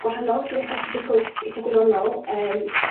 gwahanol 'nes i ddechra' astudio cwrs eithaf gwyddonol yym